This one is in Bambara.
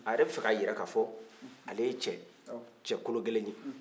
a yɛrɛ b'a fɛ ka jira ka fɔ ale cɛ ye cɛ kologɛlɛn ye